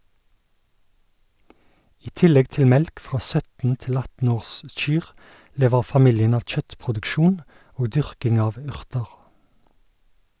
I tillegg til melk fra 17-18 årskyr, lever familien av kjøttproduksjon og dyrking av urter.